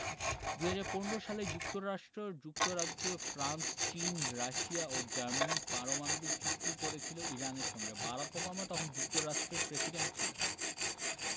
২০১৫ সালে যুক্তরাষ্ট্র যুক্তরাজ্য ফ্রান্স চীন রাশিয়া ও জার্মানি পারমাণবিক চুক্তি করেছিল ইরানের সঙ্গে বারাক ওবামা তখন যুক্তরাষ্ট্রের প্রেসিডেন্ট ছিলেন